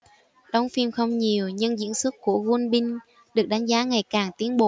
đóng phim không nhiều nhưng diễn xuất của won bin được đánh giá ngày càng tiến bộ